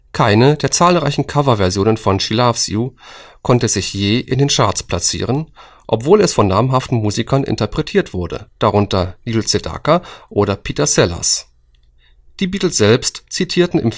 Keine der zahlreichen Coverversionen von She Loves You konnte sich je in den Charts platzieren, obwohl es von namhaften Musikern interpretiert wurde, darunter Neil Sedaka oder Peter Sellers. Die Beatles selbst zitierten im